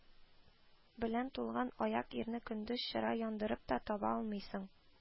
Белән тулган, аек ирне көндез чыра яндырып та таба алмыйсың